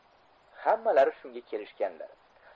hammalari shunga kelishganlar